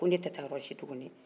ko ne tɛ taa yɔrɔla tuguni